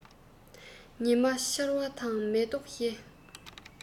ཉི མ འཆར བ དང མེ ཏོག བཞད